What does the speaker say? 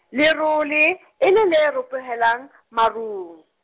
lerole, e le le ropohelang, marung.